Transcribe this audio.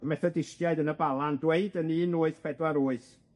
Methodistiaid yn y Bala'n dweud yn un wyth pedwar wyth